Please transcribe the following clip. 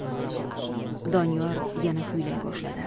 doniyor yana kuylay boshladi